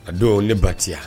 A don ne baya